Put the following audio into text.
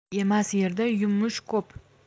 yemas yerda yumush ko'p